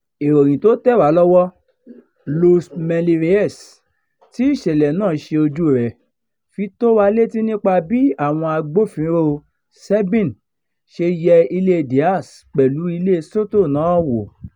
[Ìròyìn tó tẹ̀wá lọ́wọ́] Luz Mely Reyes tí ìṣẹ̀lẹ̀ náà ṣe ojúu rẹ̀, fi tó wa létí nípa bí àwọn Agbófinró SEBIN ṣe yẹ ilée Díaz pẹ̀lú ilée Soto náà wò.